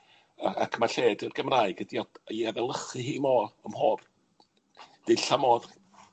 a- ac ma' lle 'di'r Gymraeg ydi o' 'i efelychu hi mo- ym mhob dull a modd.